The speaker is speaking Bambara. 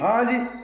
haali